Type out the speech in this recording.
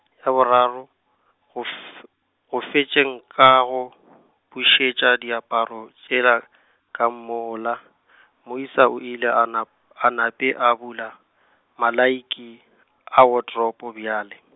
ya boraro, go f-, go fetšeng ga go , bušetša diaparo tšela, ka mola , moisa o ile a nap-, a nape a bula, malaiki a watropo bjale.